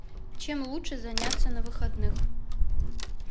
чем лучше заняться на выходных